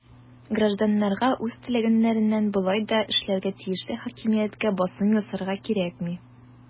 Гражданнарга үз теләгәннәрен болай да эшләргә тиешле хакимияткә басым ясарга кирәкми.